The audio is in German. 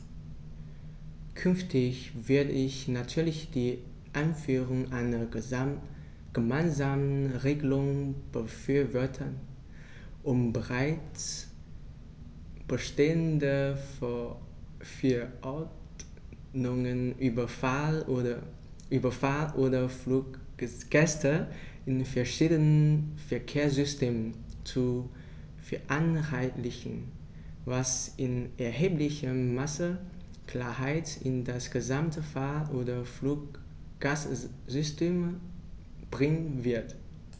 Künftig würde ich natürlich die Einführung einer gemeinsamen Regelung befürworten, um bereits bestehende Verordnungen über Fahr- oder Fluggäste in verschiedenen Verkehrssystemen zu vereinheitlichen, was in erheblichem Maße Klarheit in das gesamte Fahr- oder Fluggastsystem bringen wird.